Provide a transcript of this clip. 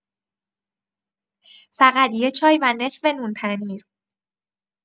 فقط یه چای و نصف نون پنیر.